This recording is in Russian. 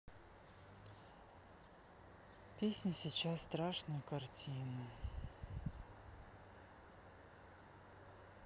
песня сейчас страшную картину